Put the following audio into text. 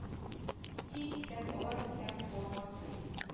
Син исән балаң исән куанасы ит